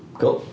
Cŵl.